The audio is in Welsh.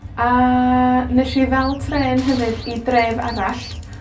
A nesh i ddal trên hefyd i dref arall,